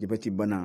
Jabɛti banna